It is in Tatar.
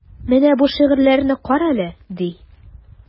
Менә бу шигырьләрне карале, ди.